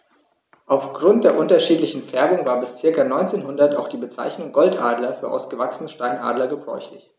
Auf Grund der unterschiedlichen Färbung war bis ca. 1900 auch die Bezeichnung Goldadler für ausgewachsene Steinadler gebräuchlich.